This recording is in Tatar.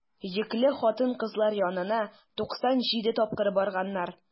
Йөкле хатын-кызлар янына 97 тапкыр барганнар.